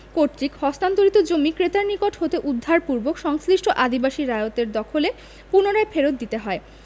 কর্তৃক হস্তান্তরিত জমি ক্রেতার নিকট হতে উদ্ধারপূর্বক সংশ্লিষ্ট আদিবাসী রায়তের দখলে পুনরায় ফেরৎ দিতে হয়